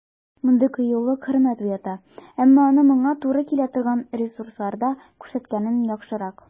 Мондый кыюлык хөрмәт уята, әмма аны моңа туры килә торган ресурсларда күрсәткәнең яхшырак.